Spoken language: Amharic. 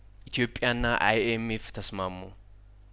ኢትዮጵያና አይኤም ኤፍ ተስማሙ